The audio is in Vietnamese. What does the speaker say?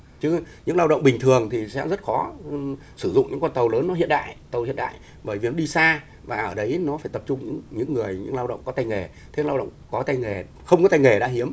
chứ những lao động bình thường thì sẽ rất khó sử dụng những con tàu lớn hiện đại tàu hiện đại bởi việc đi xa và ở đấy nó phải tập trung những người những lao động có tay nghề thế lao động có tay nghề không có tay nghề đã hiếm